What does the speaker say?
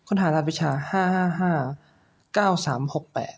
ค้นหารหัสวิชาห้าห้าห้าเก้าสามหกแปด